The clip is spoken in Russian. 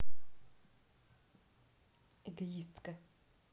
эгоистка